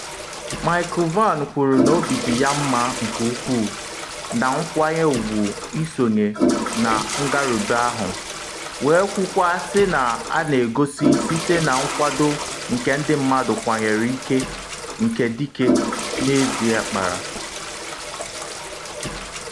Michael Vann kwuru na “obi dị ya mma nke ukwuu na nkwanyị ugwu isonye na ngarube ahụ” wee kwukwaa sị na “a na-egosi site na nkwado nke ndị mmadụ kwanyere ike nke dike n’ezie kpara.”